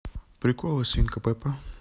приколы свинка пеппа